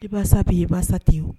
I b basa' ye i basa tɛ ye